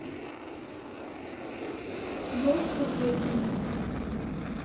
елки последние